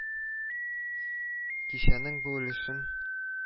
Кичәнең бу өлешен